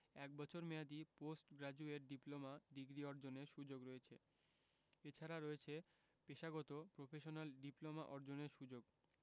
এক বছর মেয়াদি পোস্ট গ্রাজুয়েট ডিপ্লোমা ডিগ্রি অর্জনের সুযোগ রয়েছে এছাড়া রয়েছে পেশাগত প্রফেশনাল ডিপ্লোমা অর্জনের সুযোগ